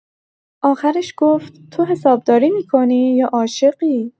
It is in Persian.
آخرش گفت تو حسابداری می‌کنی یا عاشقی؟